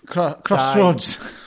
Cro- Crossroads.